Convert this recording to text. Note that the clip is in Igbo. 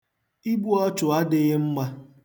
Igbu ọchụ adịghị mma.